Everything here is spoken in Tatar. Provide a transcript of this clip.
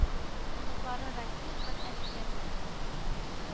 Оныклары радмир һәм әлфия белән